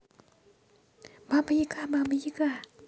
баба яга баба яга